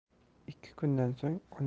ikki kundan so'ng